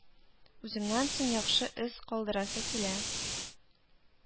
Үземнән соң яхшы эз калдырасы килә